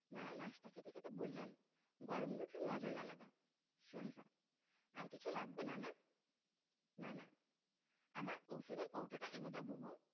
নানা নাশতা খেতে খেতে বললেন গরম রুটির মজাই আলাদা শরিফা আর কিছু লাগবে নানা নানা আমার ঔষধের কৌটোটা এনে দাও বুবু